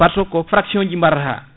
par ce que ko fraction ji mbarata